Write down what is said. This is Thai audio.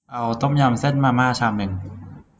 เอาต้มยำเส้นมาม่าชามนึง